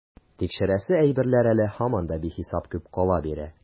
Тикшерәсе әйберләр әле һаман да бихисап күп кала бирә.